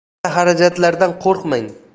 katta xarajatlardan qo'rqmang